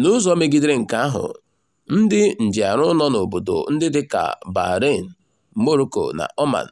N'ụzọ megidere nke ahụ, ndị njiarụ nọ n'obodo ndị dị ka Bahrain, Morocco, na Oman